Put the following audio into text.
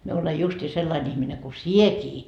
minä olen justiin sellainen ihminen kuin sinäkin